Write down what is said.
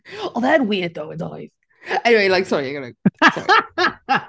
Oedd e yn weird though yn doedd? Anyway like sorry anyway...